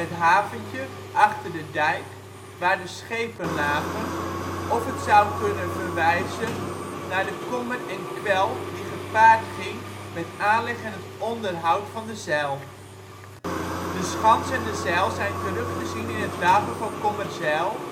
haventje) achter de dijk, waar de schepen lagen of het zou kunnen verwijzen naar de ' kommer en kwel ' die gepaard ging met aanleg en het onderhoud van de zijl. De schans en de zijl zijn terug te zien in het wapen van Kommerzijl